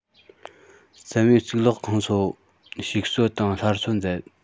བསམ ཡས གཙུག ལག ཁང སོགས ཞིག གསོ དང སླར གསོ མཛད